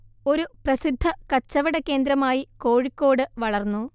ഒരു പ്രസിദ്ധ കച്ചവട കേന്ദ്രമായി കോഴിക്കോട് വളർന്നു